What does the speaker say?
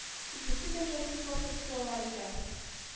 Икесе дә җайсыз басып торалар икән